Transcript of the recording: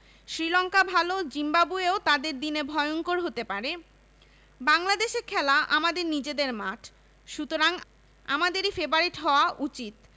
শ্রীলঙ্কা ভালো জিম্বাবুয়েও তাদের দিনে ভয়ংকর হতে পারে বাংলাদেশে খেলা আমাদের নিজেদের মাঠ সুতরাং আমাদেরই ফেবারিট হওয়া উচিত